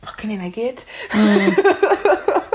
O gin reina i gyd. Hmm.